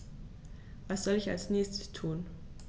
Was soll ich als Nächstes tun?